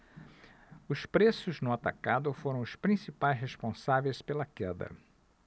os preços no atacado foram os principais responsáveis pela queda